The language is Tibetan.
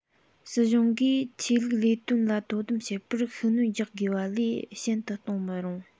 སྲིད གཞུང གིས ཆོས ལུགས ལས དོན ལ དོ དམ བྱེད པར ཤུགས སྣོན རྒྱག དགོས པ ལས ཞན དུ གཏོང མི རུང